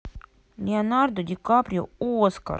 леонардо ди каприо оскар